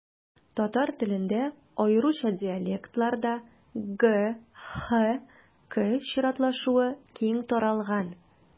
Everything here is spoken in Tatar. Татар телендә, аеруча диалектларда, г-х-к чиратлашуы киң таралган.